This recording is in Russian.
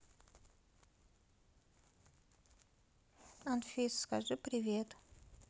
анфиса скажи привет